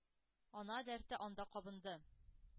Ана дәрте анда кабынды.